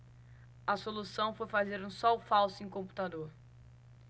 a solução foi fazer um sol falso em computador